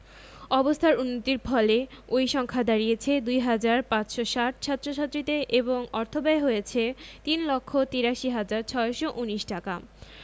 অবস্থার উন্নতির ফলে ওই সংখ্যা দাঁড়িয়েছে ২ হাজার ৫৬০ ছাত্রছাত্রীতে এবং অর্থব্যয় হয়েছে ৩ লক্ষ ৮৩ হাজার ৬১৯ টাকা